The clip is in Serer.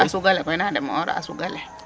Sug ale koy na deme'oora a sug ale?